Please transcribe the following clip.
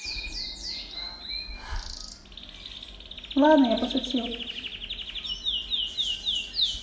ладно я пошутил